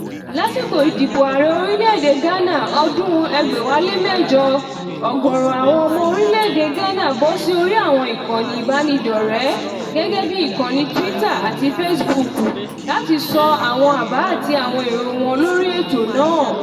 Lásìkò ìdìbò Ààrẹ orílẹ̀-èdè Ghana ọdún 2008,ọ̀gọ̀ọ̀rọ̀ àwọn ọmọ orílẹ̀ èdè Ghana bọ́ sí orí àwọn ìkànnì ìbáraẹnidọ́rẹ̀ẹ́ gẹ́gẹ́ bí ìkànnì Twitter àti Facebook láti sọ àwọn àbá àti àwọn èrò wọn lórí ètò náà.